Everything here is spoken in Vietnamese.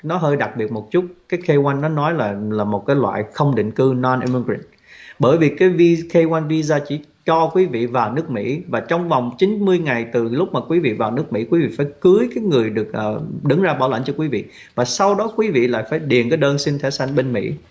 nó hơi đặc biệt một chút cái cây oăn nó nói là là một cái loại không định cư non em mơ rịch bởi cái vi cây goăn vi da chỉ cho quý vị vào nước mỹ và trong vòng chín mươi ngày từ lúc mà quý vị vào nước mỹ quý vị phải cưới cái người được ờ đứng ra bảo lãnh cho quý vị và sau đó quý vị lại phải điền cái đơn xin thẻ xanh bên mỹ